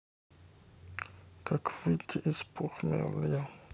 как выйти из похмелья